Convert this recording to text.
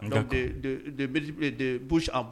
Donc de de bouche a.